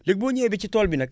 léegi boo ñëwee ba si tool bi nag